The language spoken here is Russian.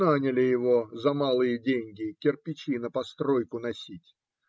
Наняли его за малые деньги кирпичи на постройку носить.